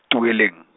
Tweeling.